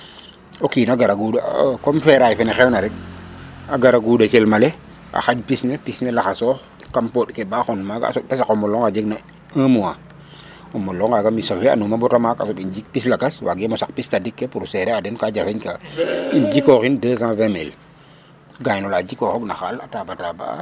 O kiin a gara guuɗ comme ferail fene xew na rek a gara guuɗa celem ale a xaƴ pis ne pis ne laxasoox kam poɗ ke ba xon maaga. A soɓ ta saq o molo nga jeg na 1 mois. O mol onqa ga' ye sauver anuma baa ta maak a soɓ um jik pis lakas waagiim o saq pis tadik ke pour gérer aden ka jafeñka um jikooxin 220000 gayino la jikoxoogna xaal a tabataba'aa.